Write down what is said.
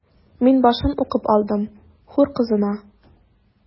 Мин башын укып алдым: “Хур кызына”.